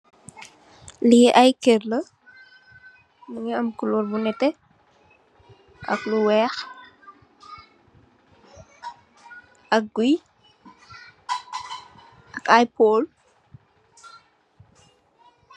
Li ay kër la, mungi am kulóor bu nètè ak lu weeh ak gouyè ak ay pool.